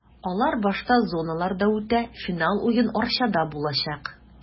Алар башта зоналарда үтә, финал уен Арчада булачак.